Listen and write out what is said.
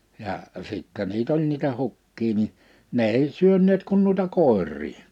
ja sitten niitä oli niitä hukkia niin ne ei syöneet kuin noita koiria